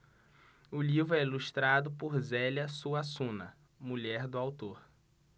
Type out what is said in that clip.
o livro é ilustrado por zélia suassuna mulher do autor